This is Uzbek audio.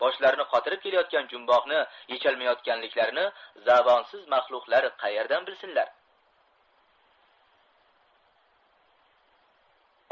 boshlarini qotirib kelayotgan jumboqni yecholmayotganliklarini zabonsiz maxluqlar qaerdan bilsinlar